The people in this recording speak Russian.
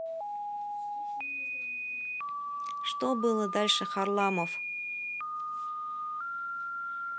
что было дальше харламов